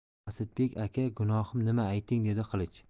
asadbek aka gunohim nima ayting dedi qilich